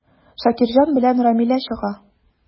Шакирҗан белән Рамилә чыга.